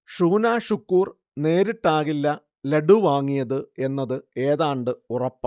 ഷൂനാ ഷുക്കൂർ നേരിട്ടാകില്ല ലഡ്ഡു വാങ്ങിയത് എന്നത് ഏതാണ്ട് ഉറപ്പാണ്